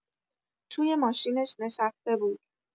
توی ماشینش نشسته بود.